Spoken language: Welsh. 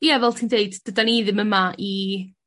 Ia fel ti'n deud dydan ni ddim yma i